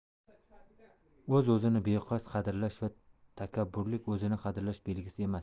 o'z o'zini beqiyos qadrlash va takabburlik o'zini qadrlash belgisi emas